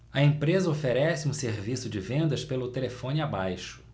a empresa oferece um serviço de vendas pelo telefone abaixo